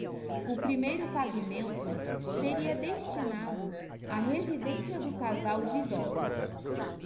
o primeiro pavimento seria destinado à residência do casal de idosos